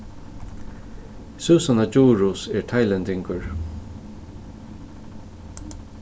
súsanna djurhuus er tailendingur